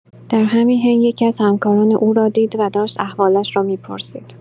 در همین حین یکی‌از همکاران او را دید و داشت احوالش را می‌پرسید.